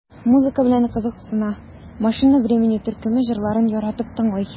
Музыка белән кызыксына, "Машина времени" төркеме җырларын яратып тыңлый.